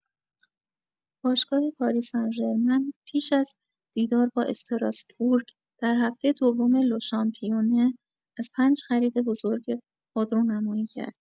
باشگاه پاری‌سن‌ژرمن پیش از دیدار با استراسبورگ در هفته دوم لوشامپیونه از ۵ خرید بزرگ خود رونمایی کرد.